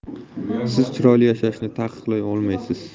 siz chiroyli yashashni taqiqlay olmaysiz